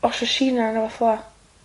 Mashushina ne' rwbath fel 'a.